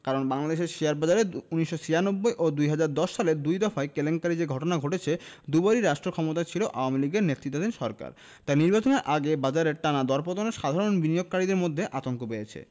কারণ বাংলাদেশের শেয়ারবাজারে ১৯৯৬ ও ২০১০ সালের দুই দফায় কেলেঙ্কারির যে ঘটনা ঘটেছে দুবারই রাষ্ট্রক্ষমতায় ছিল আওয়ামী লীগের নেতৃত্বাধীন সরকার তাই নির্বাচনের আগে বাজারের টানা দরপতনে সাধারণ বিনিয়োগকারীদের মধ্যে আতঙ্ক বেড়েছে